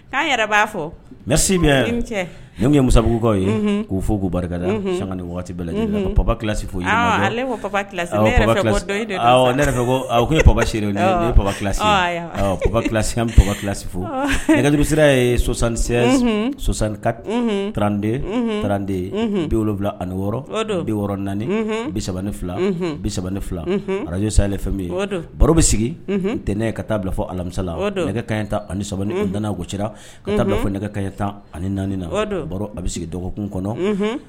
Yɛrɛ b'a fɔ mɛsi min ye musabugukaw ye k'u fɔ k'u barika sanga ni waati bɛɛ kilasi foyi yɛrɛ ko e paselasi kilasika kilasi folibisira ye sɔsansanka trante trante bi wolowula ani wɔɔrɔ bi wɔɔrɔ naani bisa ni fila bisa ni fila arazjosi ale fɛn bɛ ye baro bɛ sigi ntɛnɛn ka taa bila fɔ alamisala nɛgɛ kanɲɛ tan anisadko c ka taa fɔ nɛgɛ kaɲɛ tan ani naani na baro a bɛ sigi dɔgɔkun kɔnɔ